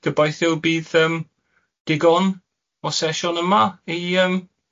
Gobeithio bydd yym digon o sesiwn yma i yym